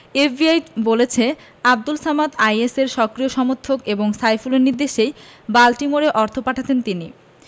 FBI বলছে আবদুল সামাদ আইএসের সক্রিয় সমর্থক এবং সাইফুলের নির্দেশেই বাল্টিমোরে অর্থ পাঠাতেন তিনি